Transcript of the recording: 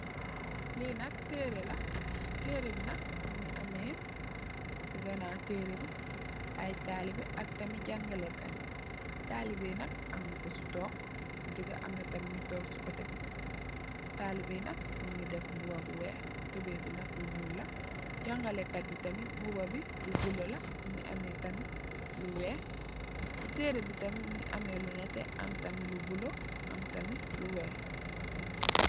Linak tarela ci ganaw tare bi mugi am ay talibelen ak jangale kat talibeyi amna kuci took ci DiGa amna ku took ci kotebi talibelen bi nak bungi def mbouba bu wex ak toubey bu njul jangalekat bi tamit bubsm bungi ame lu bula ak lu wex ci tare bi mungi am lu nete ak lu bula am tamit lu wex